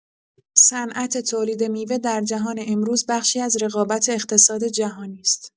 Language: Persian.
صنعت تولید میوه در جهان امروز بخشی از رقابت اقتصاد جهانی است.